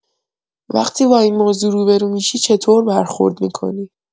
وقتی با این موضوع روبه‌رو می‌شی چطور برخورد می‌کنی؟